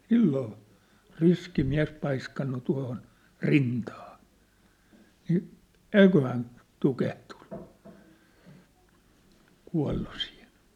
silloin riski mies paiskannut tuohon rintaan niin eiköhän tukehtunut kuollut siihen